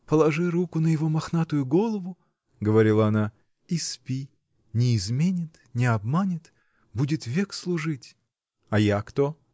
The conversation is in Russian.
— Положи руку на его мохнатую голову, — говорила она, — и спи: не изменит, не обманет. будет век служить. — А я кто?